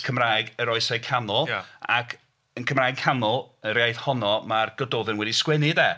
Cymraeg yr Oesoedd Canol... ia. ...ac yn Cymraeg Canol, yr iaith honno mae'r Gododdin wedi sgwennu de.